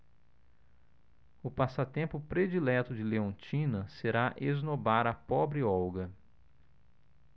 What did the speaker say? o passatempo predileto de leontina será esnobar a pobre olga